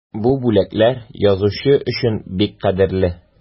Бу бүләкләр язучы өчен бик кадерле.